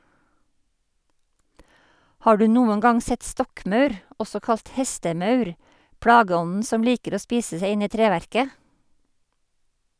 Har du noen gang sett stokkmaur , også kalt hestemaur, plageånden som liker å spise seg inn i treverket?